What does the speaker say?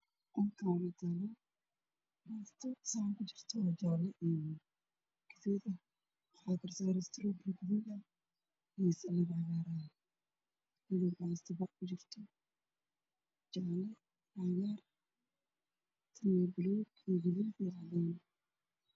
Waa baasto saxan ku jirto iyo baasto bacaha ku jiraan labaxaba ah saxan kamid ah cadaan